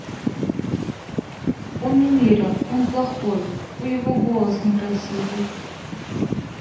он не мерил он плохой у его голос некрасивый